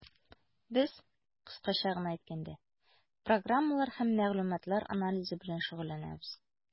Без, кыскача гына әйткәндә, программалар һәм мәгълүматлар анализы белән шөгыльләнәбез.